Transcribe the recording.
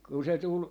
kun se tuli